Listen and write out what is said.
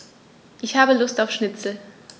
Ich habe Lust auf Schnitzel.